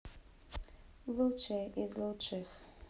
лучшие из лучших